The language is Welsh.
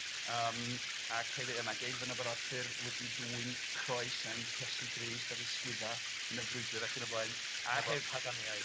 Yym ac hefyd yy mae'n deud fanna bod Arthur wedi dwyn croes ein Hiesu Grist ar 'i sgwydda yn y frwydr ac yn y blaen. A hef-... Efo Paganiaid.